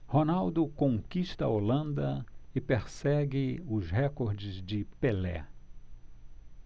ronaldo conquista a holanda e persegue os recordes de pelé